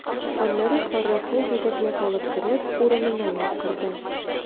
Аннары Харрасны җитәкләп алып кереп, урынына яткырды.